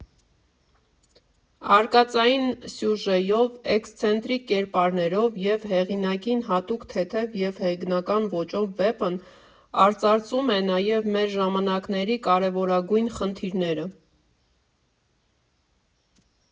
Արկածային սյուժեով, էքսցենտրիկ կերպարներով և հեղինակին հատուկ թեթև և հեգնական ոճով վեպն արծարծում է նաև մեր ժամանակների կարևորագույն խնդիրները։